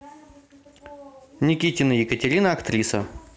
никитина екатерина актриса